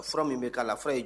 Fura min bɛ k'